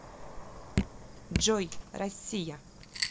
джой россия